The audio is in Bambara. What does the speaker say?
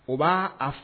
O ba a